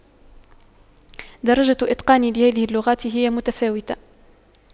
درجة إتقاني لهذه اللغات هي متفاوتة